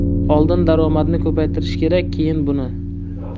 oldin daromadni ko'paytirish kerak keyin buni